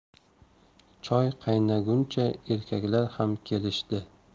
choy qaynaguncha erkaklar ham kelishdi